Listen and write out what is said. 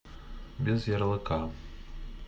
без ярлыка